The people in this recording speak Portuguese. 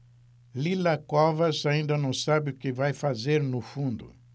lila covas ainda não sabe o que vai fazer no fundo